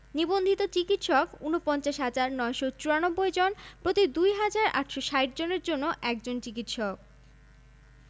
২০০৮ সালের জরিপ অনুযায়ী সরকারি বিশ্ববিদ্যালয় ৩১টি বেসরকারি বিশ্ববিদ্যালয় ৫১টি সরকারি মেডিকেল কলেজ ১৮টি বেসরকারি মেডিকেল কলেজ ৪১টি